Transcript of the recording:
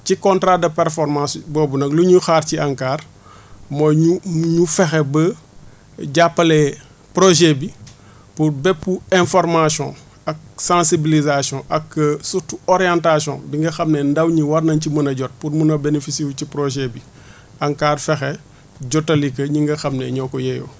ci contrat de performance boobu nag lu ñu xalaat ci ANCAR mooy ñu ñu ñu fexe ba jàppale projet bi por bépp information ak sensbilisation ak surtout orientation bi nga xam ne ndaw ñi war nañu ci mën a jot pour mun a bénéficié wu ci projet bi ANCAR fexe jottali ko ñi nga xam ne ñoo ko yeyoo